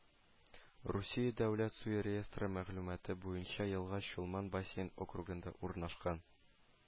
Русия дәүләт су реестры мәгълүматы буенча елга Чулман бассейн округында урнашкан